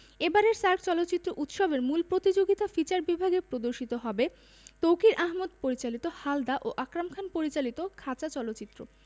এবারের সার্ক চলচ্চিত্র উৎসবের মূল প্রতিযোগিতা ফিচার বিভাগে প্রদর্শিত হবে তৌকীর আহমেদ পরিচালিত হালদা ও আকরাম খান পরিচালিত খাঁচা চলচ্চিত্র